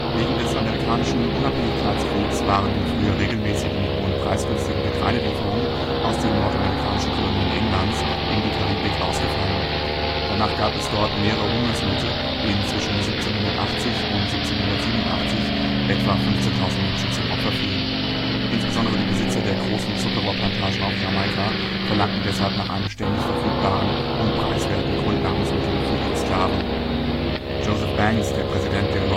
Wegen des amerikanischen Unabhängigkeitskriegs waren die früher regelmäßigen und preisgünstigen Getreidelieferungen aus den nordamerikanischen Kolonien Englands in die Karibik ausgefallen. Danach gab es dort mehrere Hungersnöte, denen zwischen 1780 und 1787 etwa 15.000 Menschen zum Opfer fielen. Insbesondere die Besitzer der großen Zuckerrohrplantagen auf Jamaika verlangten deshalb nach einem ständig verfügbaren und preiswerten Grundnahrungsmittel für ihre Sklaven. Joseph Banks, der Präsident der